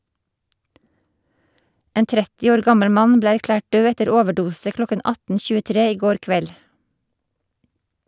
En 30 år gammel mann ble erklært død etter overdose klokken 18.23 i går kveld.